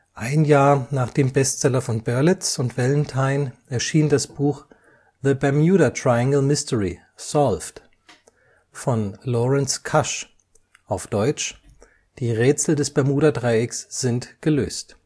Ein Jahr nach dem Bestseller von Berlitz und Valentine erschien das Buch The Bermuda Triangle Mystery – Solved! von Lawrence Kusche (deutsch: Die Rätsel des Bermudadreiecks sind gelöst